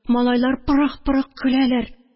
Малайлар пырых-пырых көләләр.